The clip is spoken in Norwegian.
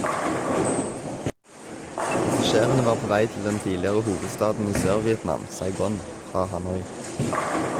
Passasjerene var på vei til den tidligere hovedstaten i Sør-Vietnam, Saigon, fra Hanoi.